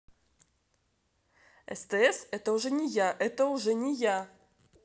стс это уже не я это уже не я